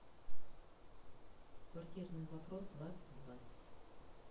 квартирный вопрос двадцать двадцать